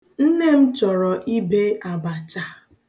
Nne m chọrọ ibe abacha.